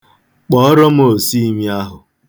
Kpọọrọ m osuimi ahụ.